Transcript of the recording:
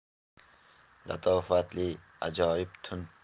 latofatli ajoyib tun